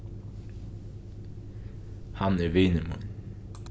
hann er vinur mín